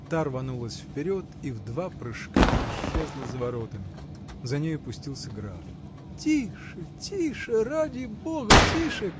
та рванулась вперед и в два прыжка исчезла за воротами за нею пустился граф. – Тише, тише, ради бога, тише!